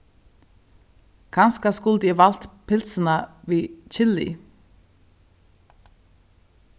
kanska skuldi eg valt pylsuna við kili